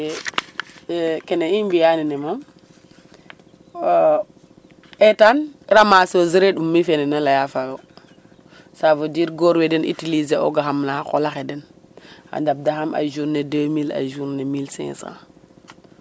Ok kene i mbi'aa nene moom eetaan ramasseuse re'um mi' fene na laya fa wo ça veut dire goor we utiliser oogaxam na xa qol axe den a ndabdaxam ay journée 2000 ay journée 1500